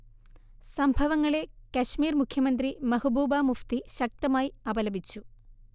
സംഭവങ്ങളെ കശ്മീർ മുഖ്യമന്ത്രി മെഹ്ബൂബ മുഫ്തി ശക്തമായി അപലപിച്ചു